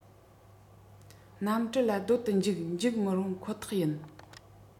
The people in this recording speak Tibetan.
གནམ གྲུ ལ སྡོད དུ འཇུག འཇུག མི རུང ཁོ ཐག ཡིན